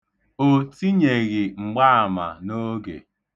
O tinyeghị mgbaama n'oge.